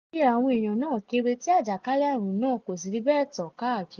Iye àwọn èèyàn náà kéré tí àjàkálẹ̀-àrùn náà kò sì fi bẹ́ẹ̀ tàn káàkiri.